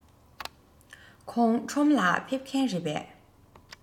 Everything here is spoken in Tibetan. ཁོང ཁྲོམ ལ ཕེབས མཁན རེད པས